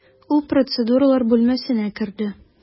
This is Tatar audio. Ул процедуралар бүлмәсенә керде.